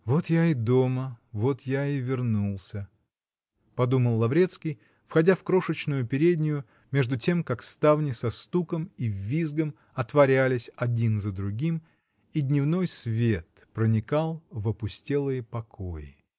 "Вот я и дома, вот я и вернулся", -- подумал Лаврецкий, входя в крошечную переднюю, между тем как ставни со стуком и визгом отворялись один за другим и дневной свет проникал в опустелые покои.